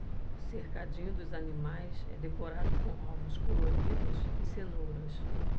o cercadinho dos animais é decorado com ovos coloridos e cenouras